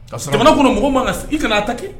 A sara kɔnɔ mɔgɔ ma i kana a taki